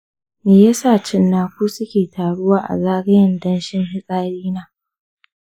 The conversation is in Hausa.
me yasa cinnaku suke taruwa a zagayen danshin fitsari na?